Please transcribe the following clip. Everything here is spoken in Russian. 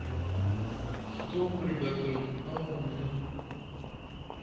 что приготовить на ужин